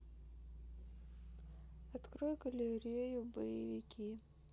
открой галерею боевики